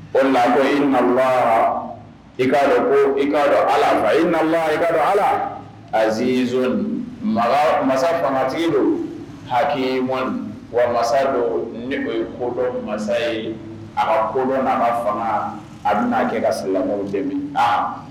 O lakɔ i na i k'a ko i k kaa dɔn ala fa i na i kaa dɔn ala a zzoni masa fanga tigi don ha mɔni wa masa don ni o ye kodɔn masa ye a ka kodɔn' fana a bɛ'a kɛ ka se la cɛ aa